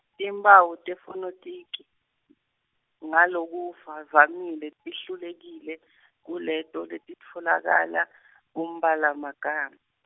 timphawu tefonethiki ngalokuvamile tehlukile kuleto letitfolakala kumbhalomagama.